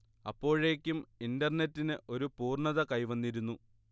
അപ്പോഴേക്കും ഇന്റർനെറ്റിന് ഒരു പൂർണ്ണത കൈവന്നിരുന്നു